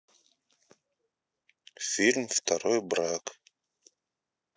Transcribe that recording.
фильм второй брак